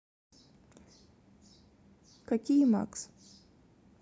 какие макс